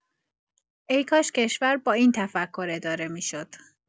ای‌کاش کشور با این تفکر اداره می‌شد.